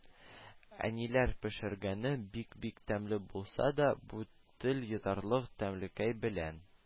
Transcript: Әниләр пешергәне бик-бик тәмле булса да, бу тел йотарлык тәмлекәй белән